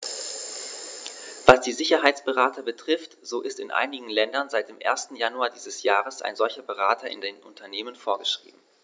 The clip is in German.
Was die Sicherheitsberater betrifft, so ist in einigen Ländern seit dem 1. Januar dieses Jahres ein solcher Berater in den Unternehmen vorgeschrieben.